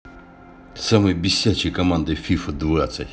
самая бесячая команда фифа двадцать